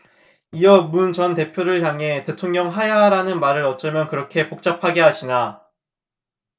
이어 문 전 대표를 향해 대통령 하야하라는 말을 어쩌면 그렇게 복잡하게 하시나